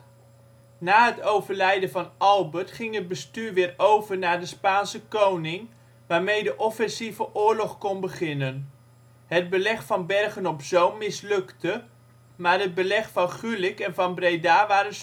Na het overlijden van Albert, ging het bestuur weer over naar de Spaanse koning, waarmee de offensieve oorlog kon beginnen. Het beleg van Bergen-op-Zoom mislukte, maar het beleg van Gulik en van Breda waren